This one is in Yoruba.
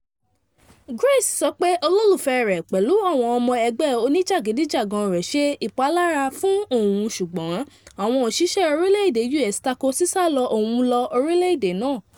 Grace sọ pé olólùfẹ́ rẹ pẹ̀lú àwọn ọmọ ẹgbẹ́ oníjàgídíjàgan rẹ̀ ṣe ìpalára fún òun ṣùgbọ́n àwọn òṣìṣẹ́ orílẹ̀èdè US tako sísálọ òun lọ orílẹ̀èdè náà.